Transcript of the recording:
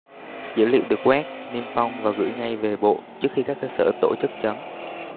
dữ liệu được quét niêm phong và gửi ngay về bộ trước khi các cơ sở tổ chức chấm